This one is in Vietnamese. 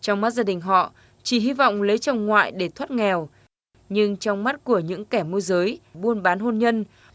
trong mắt gia đình họ chỉ hy vọng lấy chồng ngoại để thoát nghèo nhưng trong mắt của những kẻ môi giới buôn bán hôn nhân